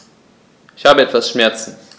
Ich habe etwas Schmerzen.